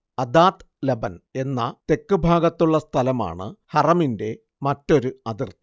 അദാത്ത് ലബൻ എന്ന തെക്ക് ഭാഗത്തുള്ള സ്ഥലമാണ് ഹറമിന്റെ മറ്റൊരു അതിർത്തി